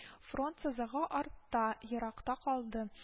Фронт сызыгы артта, еракта калды